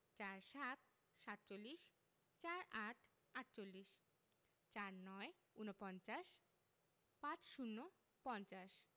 ৪৭ সাতচল্লিশ ৪৮ আটচল্লিশ ৪৯ উনপঞ্চাশ ৫০ পঞ্চাশ